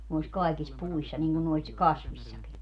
noissa kaikissa puissa niin kuin noissa kasveissakin